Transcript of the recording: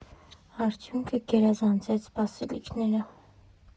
Արդյունքը գերազանցեց սպասելիքները։